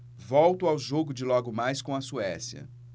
volto ao jogo de logo mais com a suécia